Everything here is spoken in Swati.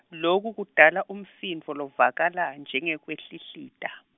loku kudala umsindvo lovakala, njengekuhlihlita.